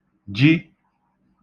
ji